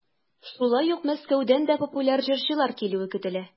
Шулай ук Мәскәүдән дә популяр җырчылар килүе көтелә.